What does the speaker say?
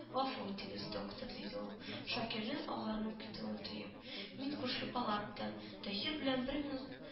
— гафу итегез, доктор, — диде ул, шакирның агарынып китүен тоеп, — мин күрше палатадан, таһир бн бер минут